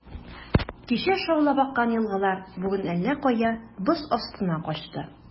Кичә шаулап аккан елгалар бүген әллә кая, боз астына качты.